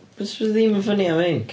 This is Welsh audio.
Be sy ddim yn funny am rhein.